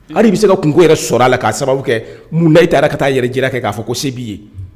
Hali bɛ se ka kungo yɛrɛ sɔrɔ a la k'a sababu kɛ mun da i taara ka taa yɛrɛ jira kɛ k'a fɔ ko se b'i ye